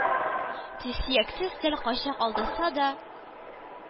Сөяксез тел кайчак алдаса да,